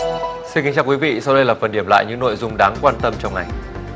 xin kính chào quý vị sau đây là phần điểm lại những nội dung đáng quan tâm trong ngày